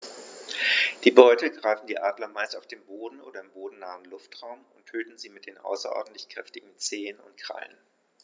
Die Beute greifen die Adler meist auf dem Boden oder im bodennahen Luftraum und töten sie mit den außerordentlich kräftigen Zehen und Krallen.